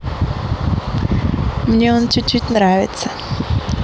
мне он чуть чуть нравится